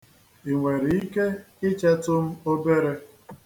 I nwere ike ichetụ m obere.